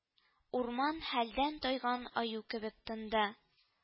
Урман хәлдән тайган аю кебек тынды